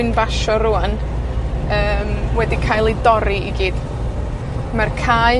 dwi'n basio rŵan, yym wedi cael ei dorri i gyd. Ma'r cae